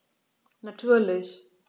Natürlich.